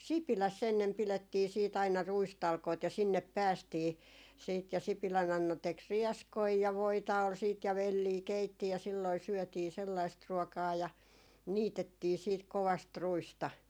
Sipilässä ennen pidettiin sitten aina ruistalkoita ja sinne päästiin sitten ja Sipilän Anna teki rieskoja ja voita oli sitten ja velliä keitti ja silloin syötiin sellaista ruokaa ja niitettiin sitten kovasti ruista